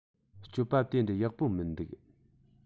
སྤྱོད པ དེ འདྲའི ཡག པོ མི འདུག